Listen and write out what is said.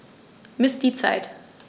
Miss die Zeit.